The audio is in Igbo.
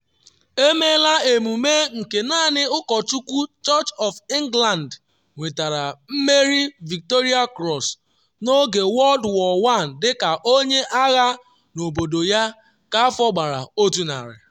Emeela emume nke naanị ụkọchukwu Church of England nwetara mmeri Victoria Cross n’oge World War One dị ka onye agha n’obodo ya ka afọ gbara 100.